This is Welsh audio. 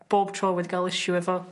Bob tro wedi ga'l issue efo